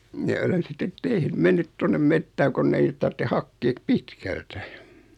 minä olen sitten - mennyt tuonne metsään kun ei niitä tarvitse hakea pitkältä